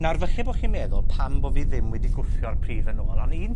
Nawr falle bo' chi'n meddwl pam bo' fi ddim wedi gwthio'r pridd yn ôl, on' un